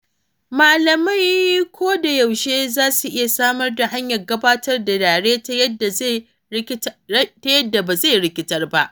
Malamai ko da yaushe za su iya samar da hanya gabatar da yare ta yadda ba zai rikitar ba.